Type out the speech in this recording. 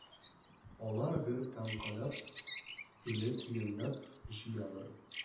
Алар бер тәңкәләп, илле тиенләп җыялар.